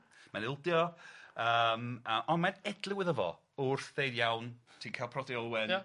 Mae'n ildio yym a ond mae'n edliw iddo fo wrth ddeud iawn ti'n ca'l prodi Olwen. Ia.